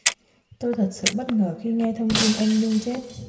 tôi thật sự bất ngờ khi nghe thông tin em nhung chết